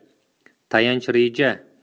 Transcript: tayanch reja